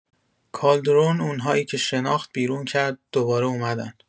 کالدرون اون‌هایی که شناخت بیرون کرد دوباره اومدن.